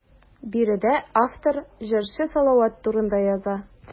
Биредә автор җырчы Салават турында яза.